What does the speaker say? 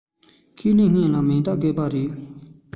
ཁས ལེན སྔོན ལ མིང རྟགས བཀོད པ རེད